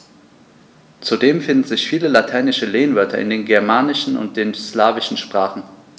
Zudem finden sich viele lateinische Lehnwörter in den germanischen und den slawischen Sprachen.